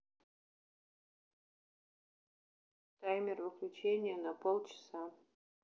таймер выключение на полчаса